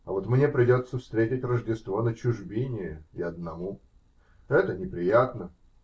А вот мне придется встретить Рождество на чужбине, и одному. Это неприятно.